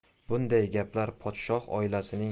bunday gaplar podshoh oilasining